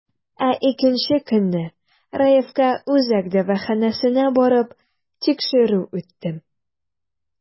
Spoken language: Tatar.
Ә икенче көнне, Раевка үзәк дәваханәсенә барып, тикшерү үттем.